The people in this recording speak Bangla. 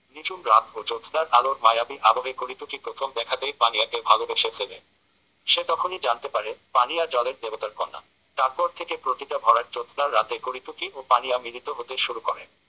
নিঝুম রাত ও জ্যোৎস্নার আলোর মায়াবী আবহে করিটুকি প্রথম দেখাতেই পানিয়াকে ভালোবেসে ফেলে সে তখনই জানতে পারে পানিয়া জলের দেবতার কন্যা তারপর থেকে প্রতিটা ভরাট জ্যোৎস্নার রাতে করিটুকি ও পানিয়া মিলিত হতে শুরু করে